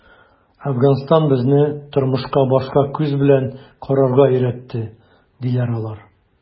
“әфганстан безне тормышка башка күз белән карарга өйрәтте”, - диләр алар.